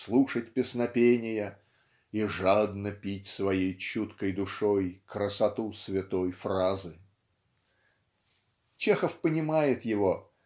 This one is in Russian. слушать песнопения и "жадно пить своей чуткой душой красоту святой фразы". Чехов понимает его